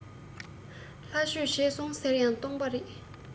ལྷ ཆོས བྱས སོང ཟེར ཡང སྟོང པ རེད